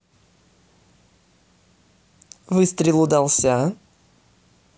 выстрел удался